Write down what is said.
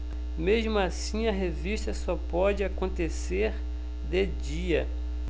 mesmo assim a revista só pode acontecer de dia